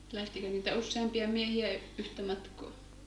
lähtikö niitä useampia miehiä yhtä matkaa